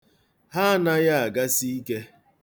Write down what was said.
Ha anaghị agasi ike.